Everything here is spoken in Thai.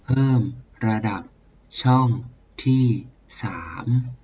เพิ่มระดับช่องที่สาม